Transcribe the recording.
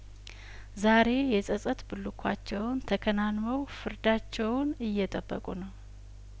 ዛሬ የጸጸት ብልኳቸውን ተከናንበው ፍርዳቸውን እየጠበቁ ነው